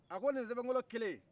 a ko nin sebenkolo kelen